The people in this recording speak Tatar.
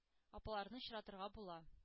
Апаларны очратырга була.